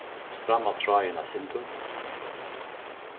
stramma tráðin eitt sindur